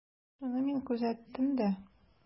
Шуны мин күзәттем дә.